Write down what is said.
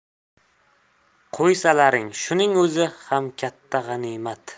qo'ysalaring shuning o'zi ham katta g'animat